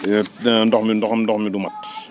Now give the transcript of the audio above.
xëy na ndox mi ndox mi du mot